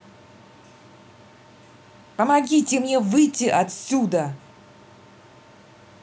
помогите мне выйти отсюда